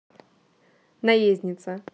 наездница